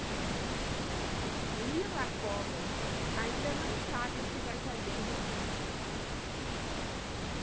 lila covas ainda não sabe o que vai fazer no fundo